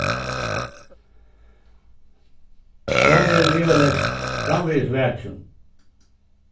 sonurin er ivaleyst framvegis vakin